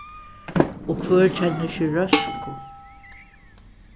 og hvør kennir ikki røsku